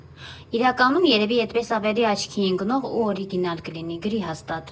Իրականում երևի էդպես ավելի աչքի ընկնող ու օրիգինալ կլինի, գրի հաստատ։